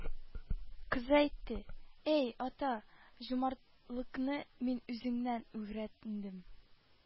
Кызы әйтте: «Әй ата, җумартлыкны мин үзеңнән үгрәндем